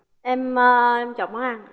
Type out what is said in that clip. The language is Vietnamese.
em em chọn món ăn